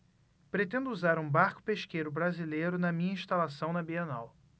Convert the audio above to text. pretendo usar um barco pesqueiro brasileiro na minha instalação na bienal